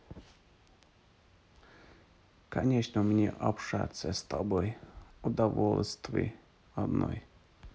конечно мне общаться с тобой удовольствия одно